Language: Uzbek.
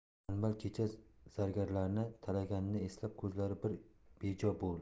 tanbal kecha zargarlarni talatganini eslab ko'zlari bir bejo bo'ldi